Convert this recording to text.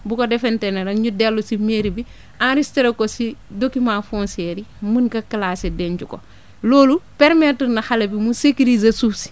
bu ko defente ne nag ñu dellu si mairie bi enregistré ko ci documents foncières yi mun ko classé denc ko loolu permettre na xale bi mu sécuriser suuf si